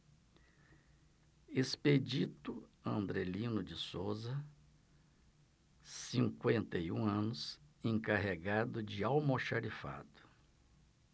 expedito andrelino de souza cinquenta e um anos encarregado de almoxarifado